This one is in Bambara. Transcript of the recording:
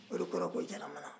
o de kɔrɔ ye ko jaramana